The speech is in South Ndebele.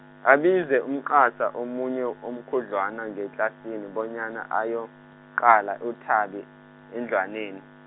abize umsana omunye omkhudlwana ngetlasini bonyana ayokuqala uThabi, endlwaneni.